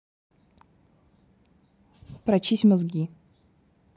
прочисть мозги